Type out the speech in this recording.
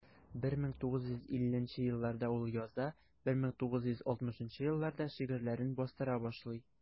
1950 елларда ул яза, 1960 елларда шигырьләрен бастыра башлый.